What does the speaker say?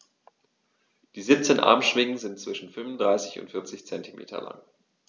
Die 17 Armschwingen sind zwischen 35 und 40 cm lang.